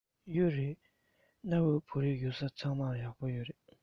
ཡོད རེད གནའ བོའི བོད རིགས ཡོད ས ཚང མར གཡག ཡོད རེད